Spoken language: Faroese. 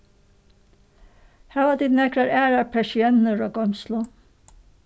hava tit nakrar aðrar persiennur á goymslu